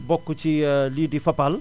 bokk ci lii di Fapal